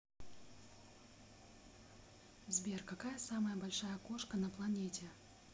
сбер какая самая большая кошка на планете